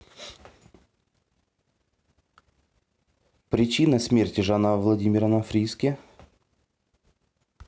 причина смерти жанна владимировна фриске